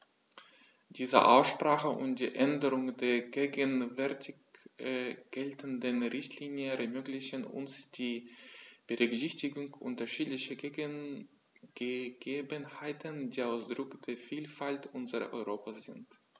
Diese Aussprache und die Änderung der gegenwärtig geltenden Richtlinie ermöglichen uns die Berücksichtigung unterschiedlicher Gegebenheiten, die Ausdruck der Vielfalt unseres Europas sind.